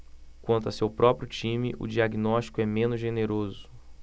quanto ao seu próprio time o diagnóstico é menos generoso